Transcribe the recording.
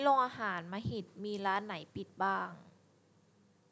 พรุ่งนี้โรงอาหารมหิตมีร้านไหนปิดบ้าง